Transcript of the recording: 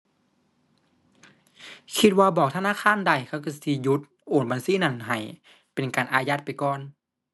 คิดว่าบอกธนาคารได้ เขาก็สิหยุดโอนบัญชีนั้นให้ เป็นการอายัดไปก่อน